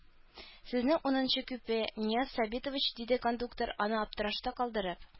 Сезнең унынчы купе, Нияз Сабитович, диде кондуктор, аны аптырашта калдырып.